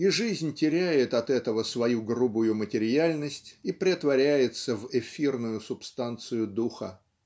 и жизнь теряет от этого свою грубую материальность и претворяется в эфирную субстанцию духа.